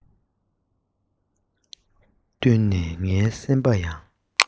བསྟུན ནས ངའི སེམས པ ཡང